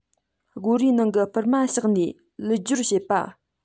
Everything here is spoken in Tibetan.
སྒོ རའི ནང གི སྦུར མ ཕྱགས ནས ལུད སྦྱོར བྱེད པ